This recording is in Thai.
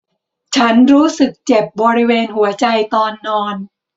ฉันรู้สึกเจ็บบริเวณหัวใจตอนนอน